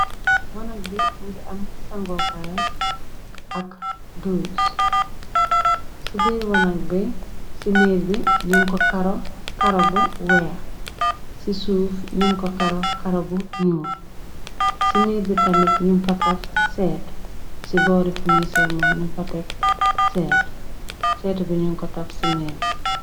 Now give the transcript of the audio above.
wanag bi mëngi am sangokaay ak doos ci biir-wanag bi si miir bi ñuñ ko karo kara bu weex ci suuf ñuñ ko karo kara bu ñoon si miir bi tamit ñuñ fa taf seet ci boori funi sër mo ñuñ fa tek seet seetu bi ñuñ ko taf si miir bi